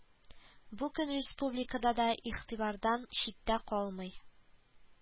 Бу көн республикада да игътибардан читтә калмый